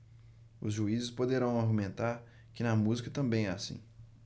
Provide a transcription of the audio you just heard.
os juízes poderão argumentar que na música também é assim